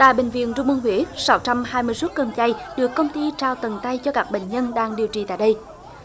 tại bệnh viện trung ương huế sáu trăm hai mươi suất cơm chay được công ty trao tận tay cho các bệnh nhân đang điều trị tại đây